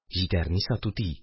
Җитәр, Ниса түти!